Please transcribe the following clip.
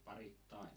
parittain